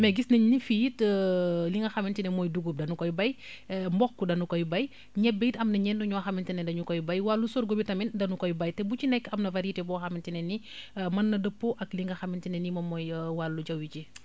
mais gis nañ ni fii it li nga xamante ne mooy dugub danu koy bay mboq danu koy bay ñebe it am na ñenn ñoo xamante ne dañu koy bay wàllu sorgho bi tamit danu koy bay te bu ci nekk am na variété boo xamante ne ni mën na dëppoo ak li nga xamante ne ni moom mooy wàllu jaww ji